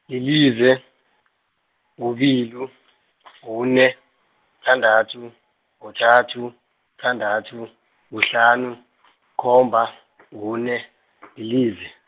lilize, kubili kune, kuthandathu, kuthathu, thandathu kuhlanu , khomba kune lilize.